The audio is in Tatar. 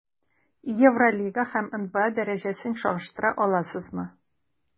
Евролига һәм НБА дәрәҗәсен чагыштыра аласызмы?